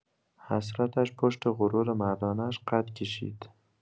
حسرتش پشت غرور مردانه‌اش قد کشید.